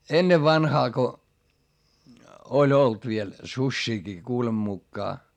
ennen vanhaan kun oli ollut vielä susiakin kuuleman mukaan